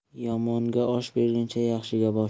yomonga osh berguncha yaxshiga bosh ber